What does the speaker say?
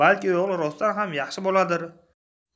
balki o'g'li rostdan ham yaxshi boladir